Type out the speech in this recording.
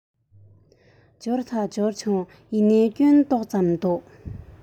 འབྱོར ད འབྱོར བྱུང ཡིན ནའི སྐྱོན ཏོག ཙམ འདུག